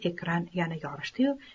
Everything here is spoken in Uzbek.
ekran yana yorishdi yu